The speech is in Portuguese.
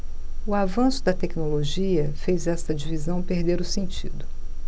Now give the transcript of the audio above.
o avanço da tecnologia fez esta divisão perder o sentido